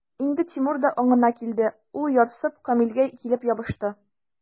Инде Тимур да аңына килде, ул, ярсып, Камилгә килеп ябышты.